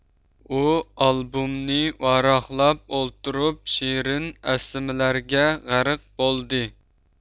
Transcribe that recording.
ئۇ ئالبومنى ۋاراقلاپ ئولتۇرۇپ شېرىن ئەسلىمىلەرگە غەرق بولدى